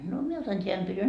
no minä otan tämän pytyn